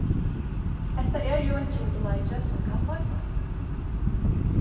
hetta er jú ein trupulleiki sum kann loysast